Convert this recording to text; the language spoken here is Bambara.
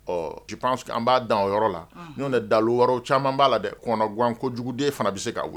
Ɔ an b'a dan o yɔrɔ la n'o de da yɔrɔ caman b'a la dɛ kɔn ganko juguden fana bɛ se' wuli